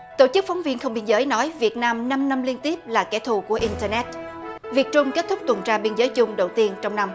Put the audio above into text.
tổ chức phóng viên không biên giới nói việt nam năm năm liên tiếp là kẻ thù của in tơ nét việt trung kết thúc tuần tra biên giới chung đầu tiên trong năm